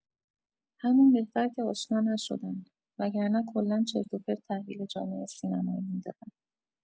همون بهتر که آشنا نشدن… وگرنه کلا چرت و پرت تحویل جامعه سینمایی می‌دادن